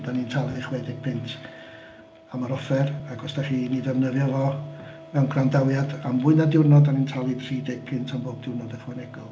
Dan ni'n talu chwech deg punt am yr offer, ac os dach chi yn ei ddefnyddio fo mewn gwrandawiad am fwy na diwrnod dan ni'n talu tri deg punt am bob diwrnod ychwanegol.